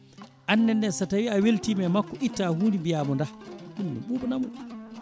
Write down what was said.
annenne so tawi a weltima e makko itta hunde mnbiyamo daah ɗum ne ɓuɓanamo